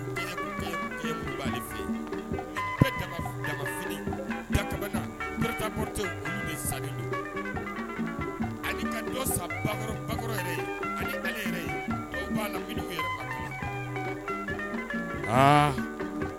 Ta sa san ba ye